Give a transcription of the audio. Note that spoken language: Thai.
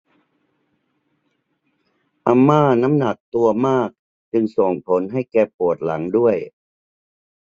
อาม่าน้ำหนักตัวมากจึงส่งผลให้แกปวดหลังด้วย